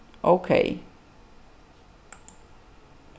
ókey